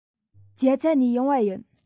རྒྱ ཚ ནས ཡོང བ ཡིན